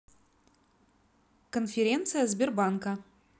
конференция сбербанка